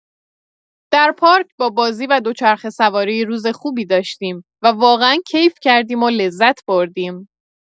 در پارک با بازی و دوچرخه‌سواری روز خوبی داشتیم و واقعا کیف کردیم و لذت بردیم.